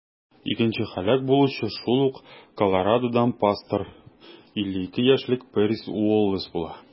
Икенче һәлак булучы шул ук Колорадодан пастор - 52 яшьлек Пэрис Уоллэс була.